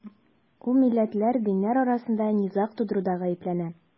Ул милләтләр, диннәр арасында низаг тудыруда гаепләнә.